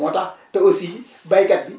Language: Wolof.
moo tax te aussi béykat bi